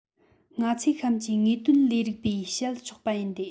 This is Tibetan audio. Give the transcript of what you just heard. ང ཚོས གཤམ གྱི དངོས དོན ལས རིགས པས དཔྱད ཆོག པ ཡིན ཏེ